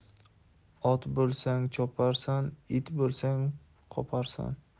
ot bo'lsang choparsan it bo'lsang qoparsan